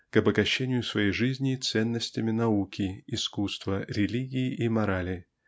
к обогащению своей жизни ценностями науки искусства религии и морали